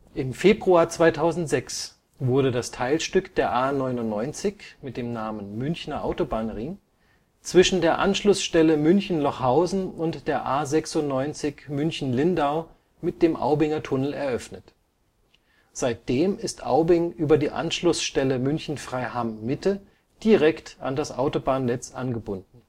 Im Februar 2006 wurde das Teilstück der A 99 (Münchner Autobahnring) zwischen der Anschlussstelle München-Lochhausen und der A 96 München-Lindau mit dem Aubinger Tunnel eröffnet. Seitdem ist Aubing über die Anschlussstelle München-Freiham-Mitte direkt an das Autobahnnetz angebunden